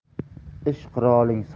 ish quroling soz